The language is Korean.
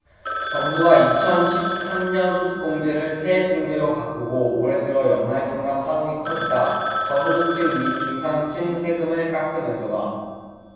정부가 이천 십 삼 년 소득공제를 세액공제로 바꾸고 올해 들어 연말정산 파동이 커지자 저소득층 및 중산층 세금을 깎으면서다